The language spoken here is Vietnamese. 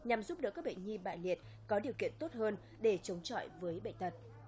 nhằm giúp đỡ các bệnh nhi bại liệt có điều kiện tốt hơn để chống chọi với bệnh tật